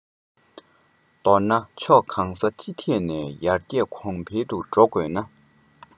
མདོར ན ཕྱོགས གང ས ཅི ཐད ནས ཡར རྒྱས གོང འཕེལ དུ འགྲོ དགོས ན